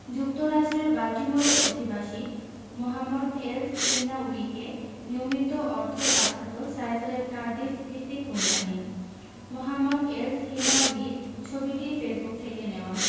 যুক্তরাষ্ট্রের বাল্টিমোরের অধিবাসী মোহাম্মদ এলসহিনাউয়িকে নিয়মিত অর্থ পাঠাত সাইফুলের কার্ডিফভিত্তিক কোম্পানি মোহাম্মদ এলসহিনাউয়ির ছবিটি ফেসবুক থেকে নেওয়া